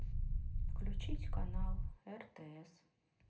включить канал ртс